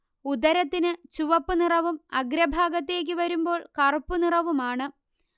ഉദരത്തിനു ചുവപ്പ് നിറവും അഗ്രഭാഗത്തേക്ക് വരുമ്പോൾ കറുപ്പു നിറവുമാണ്